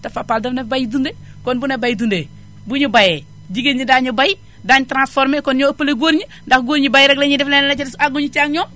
te Fapal da ne bay dunde kon bu nee bay dundee bu ñu bayee jigéen ñi daañu bay daañu transformé kon ñoo ëppale góor ñi ndax góor ñi bay rekk lañuy def leneen la ca des àgguñu ca ak ñoom